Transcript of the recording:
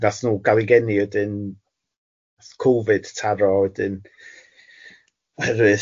Nath nw gael eu geni wedyn, nath Covid taro wedyn oherwydd